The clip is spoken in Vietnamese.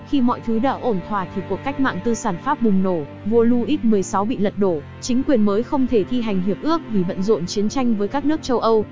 khi mọi thứ đã ổn thỏa thì cuộc cách mạng tư sản pháp bùng nổ vua louis xvi bị lật đổ chính quyền mới không thể thi hành hiệp ước vì bận rộn chiến tranh với các nước châu âu